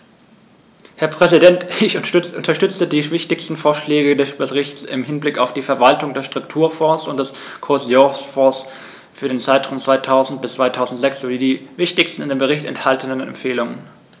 Herr Präsident, ich unterstütze die wichtigsten Vorschläge des Berichts im Hinblick auf die Verwaltung der Strukturfonds und des Kohäsionsfonds für den Zeitraum 2000-2006 sowie die wichtigsten in dem Bericht enthaltenen Empfehlungen.